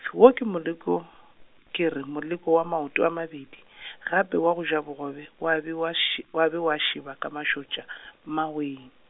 wo ko moleko, ke re moleko wa maoto a mabedi , gape wa go ja bogobe, wa ba wa š-, wa ba wa šeba ka mašotša , Mmawee.